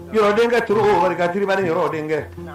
Yɔrɔdenkɛ t o barikatiriri ni yɔrɔdenkɛ